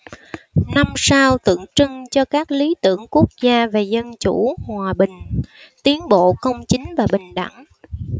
năm sao tượng trưng cho các lý tưởng quốc gia về dân chủ hòa bình tiến bộ công chính và bình đẳng